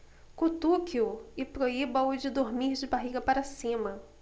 cutuque-o e proíba-o de dormir de barriga para cima